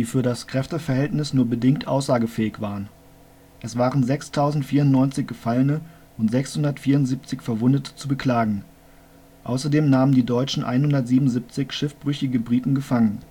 für das Kräfteverhältnis nur bedingt aussagefähig waren. Es waren 6.094 Gefallene und 674 Verwundete zu beklagen. Außerdem nahmen die Deutschen 177 schiffbrüchige Briten gefangen